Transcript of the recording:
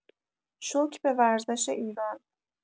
شوک به ورزش ایران